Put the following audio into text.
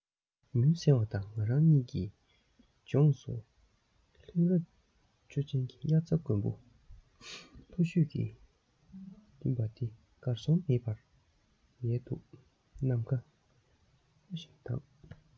མུན གསལ བ དང ང རང གཉིད ཀྱི ལྗོངས སུ ལྷུང རྭ ཅོ ཅན གྱི དབྱར རྩྭ དགུན འབུ ལྷོ བཞུད ཀྱི སྤྲིན པ དེ གར སོང མེད པར ཡལ འདུག ནམ མཁའ སྔོ ཞིང དྭངས